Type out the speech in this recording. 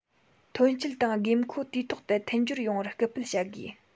ཐོན སྐྱེད དང མཁོ དགོས དུས ཐོག ཏུ མཐུན སྦྱོར ཡོང བར སྐུལ སྤེལ བྱ དགོས